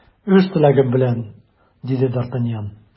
Үз теләгем белән! - диде д’Артаньян.